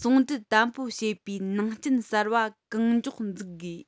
ཟུང འབྲེལ དམ པོ བྱེད པའི ནང རྐྱེན གསར པ གང མགྱོགས འཛུགས དགོས